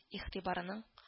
Игътибарының